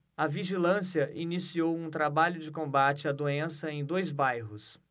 a vigilância iniciou um trabalho de combate à doença em dois bairros